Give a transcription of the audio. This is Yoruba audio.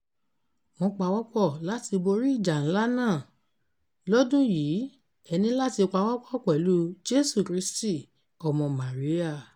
Wọ́n pawọ́pọ̀ láti borí ìjà ńlá náà... lọ́dún yìí ẹ ní láti pawọ́pọ̀ pẹ̀lú Jésù Kristì ọmọ Màríà